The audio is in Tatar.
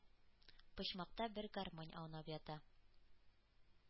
Почмакта бер гармонь аунап ята.